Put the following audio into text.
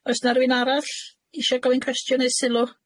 Oes 'na rywun arall isio gofyn cwestiwn neu sylw?